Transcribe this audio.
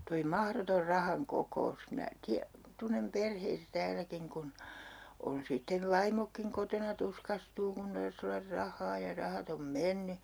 tuo mahdoton rahan kokous minä - tunnen perheitä täälläkin kun on sitten vaimotkin kotona tuskastuu kun tarvitsisi olla rahaa ja rahat on mennyt